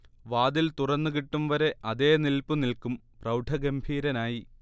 വാതിൽ തുറന്നു കിട്ടും വരെ അതേ നില്പു നിൽക്കും, പ്രൗഢഗംഭീരനായി